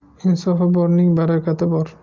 insofi borning barakati bor